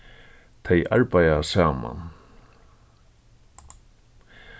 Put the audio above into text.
tey arbeiða saman